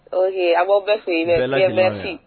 Ee a'o bɛ fɛ yen bɛfin